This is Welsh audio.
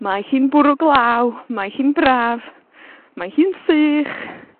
mae hi'n bwrw glaw, mae hi'n braf, mae hi'n sych.